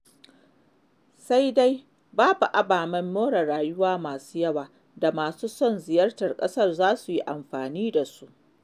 Sai dai babu ababen more rayuwa masu yawa da masu son ziyartar ƙasar za su yi amfani da su.